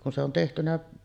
kun se on tehty